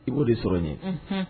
I b'o de sɔrɔ n ye